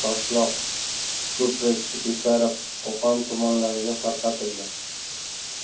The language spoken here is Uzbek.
toshloq uchko'prik beshariq qo'qon tumanlariga tarqatildi